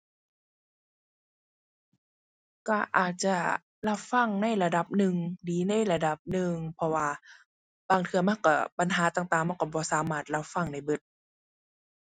ก็อาจจะรับฟังในระดับหนึ่ง ดีในระดับหนึ่ง เพราะว่าบางเทื่อมันก็ ปัญหาต่างต่างมันก็บ่สามารถรับฟังได้เบิด